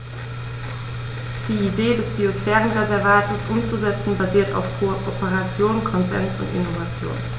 Die Idee des Biosphärenreservates umzusetzen, basiert auf Kooperation, Konsens und Innovation.